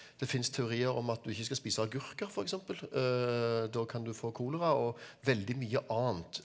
det finnes teorier om at du ikke skal spise agurker for eksempel, da kan du få kolera og veldig mye annet.